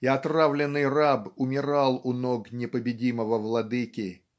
и отравленный раб умирал у ног непобедимого владыки